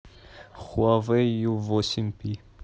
хуавей ю восемь пи